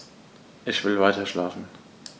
Ich will weiterschlafen.